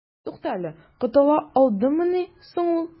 Туктале, котыла алдымыни соң ул?